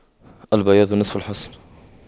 البياض نصف الحسن